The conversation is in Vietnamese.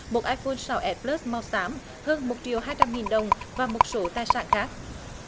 một ai phôn sáu ét pờ lớt màu xám hơn một triệu hai trăm nghìn đồng và một số tài sản khác